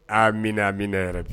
Aamina amina yarabi